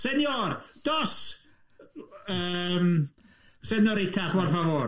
Seinor, dos yym seniorita por favor?